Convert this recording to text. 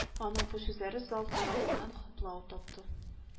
Аның бу сүзләре зал тарафыннан хуплау тапты